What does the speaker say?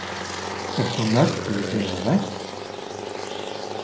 ert tú nøgd við tína vekt